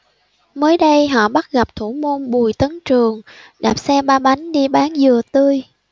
mới đây họ bắt gặp thủ môn bùi tấn trường đạp xe ba bánh đi bán dừa tươi